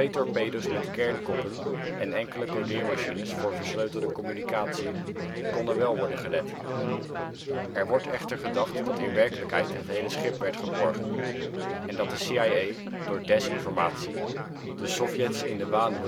torpedo 's met kernkoppen en enkele codeermachines voor versleutelde communicatie konden wel worden gered. Er wordt echter wel gedacht dat in werkelijkheid het hele schip werd geborgen, en dat de CIA door desinformatie de Sovjets in de waan